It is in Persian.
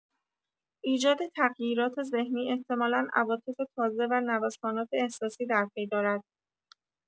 ایجاد تغییرات ذهنی احتمالا عواطف تازه و نوسانات احساسی در پی دارد.